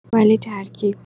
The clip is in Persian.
ولی ترکیب